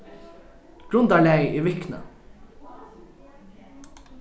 grundarlagið er viknað